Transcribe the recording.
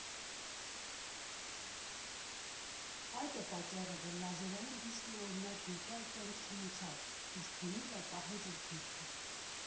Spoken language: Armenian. Այդ է պատճառը, որ լազերային դիսկն, օրինակ, երկար կյանք չունեցավ, իսկ վինիլը պահեց իր դիրքը.